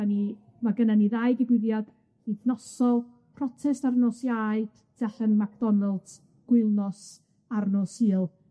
'Dan ni ma' gynna ni ddau digwyddiad wythnosol, protest ar nos Iau, tu allan McDonalds, gwylnos ar nos Sul.